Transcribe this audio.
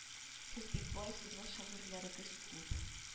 Сез бит бай сезнең шагыйрьләрегез күп